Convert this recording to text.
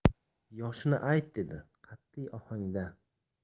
yoshini ayt dedi qatiy ohangda